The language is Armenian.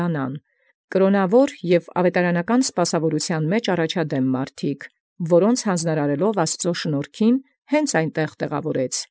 Դանան, արք կրաւնաւորք և յառաջադէմք յաւետարանական սպասաւորութեանն. զորս յանձն արարեալ շնորհացն Աստուծոյ՝ անդէն զետեղէր։